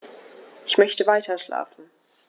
Ich möchte weiterschlafen.